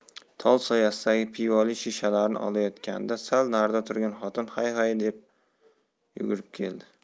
tol soyasidagi pivoli shishalarni olayotganida sal narida turgan xotin hay hay lab yugurib keldi